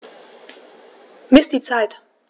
Miss die Zeit.